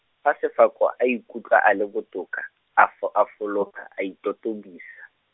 fa Sefako a ikutlwa a le botoka, a fo- a fologa a itotobisa.